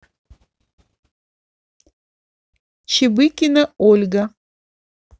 чебыкина ольга